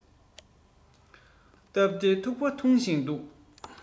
སྟབས བདེའི ཐུག པ འཐུང བཞིན འདུག